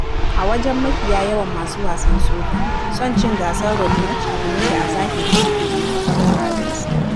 A wajen mafiya yawan masu wasan soca, son cin gasar Road March abu ne da a zahiri suke da matuƙar muradinsa.